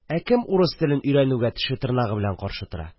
Ә кем урыс телен өйрәнүгә теше-тырнагы белән каршы тора?